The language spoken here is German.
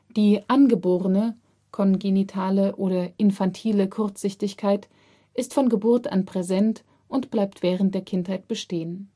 Die angeborene (kongenitale oder infantile) Kurzsichtigkeit ist von Geburt an präsent und bleibt während der Kindheit bestehen